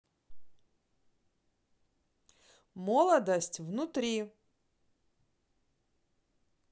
молодость внутри